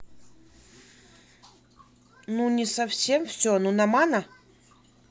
ну не совсем все ну намана